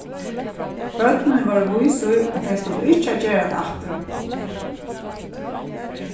børnini vóru vís í at tey sluppu ikki at gera tað aftur